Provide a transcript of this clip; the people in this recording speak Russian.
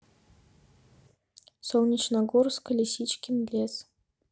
солнечногорск лисичкин лес